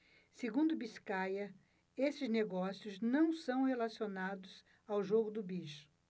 segundo biscaia esses negócios não são relacionados ao jogo do bicho